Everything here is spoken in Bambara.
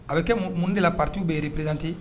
A bɛ kɛ mun de la patu bɛ ye re plte